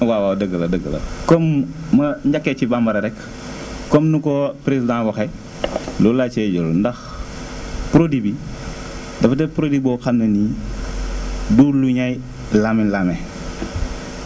waawaaw dëgg la dëgg la comme ma njëkkee ci bambara rek comme nu ko président waxee loolu laa ciy jël ndax produit bi dafa nekk produit boo xam ne nii du lu ñuy laamlaame